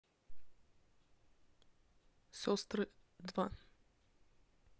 сестры два